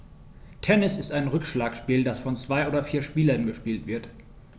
Tennis ist ein Rückschlagspiel, das von zwei oder vier Spielern gespielt wird.